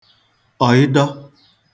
ọ̀ịdọ